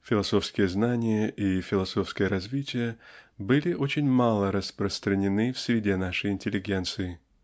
философские знания и философское развитые были очень мало распространены в среде нашей интеллигенции.